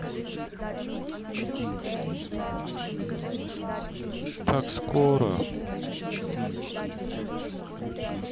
так скоро